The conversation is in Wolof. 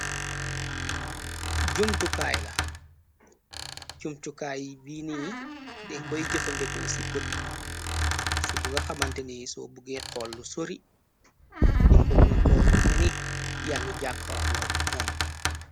Jumtukaay la jumtukaay biini denkoy jëfa ndekoo ci bët ci bu nga xamanteney soo bugge xool lu sori dinko muna xool mu meni ya ngi jàkkhorlook moon.